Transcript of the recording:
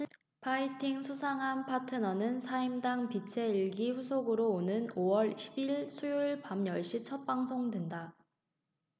파이팅 수상한 파트너는 사임당 빛의 일기 후속으로 오는 오 월 십 일 수요일 밤 열 시 첫 방송된다